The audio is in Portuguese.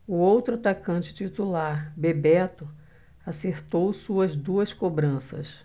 o outro atacante titular bebeto acertou suas duas cobranças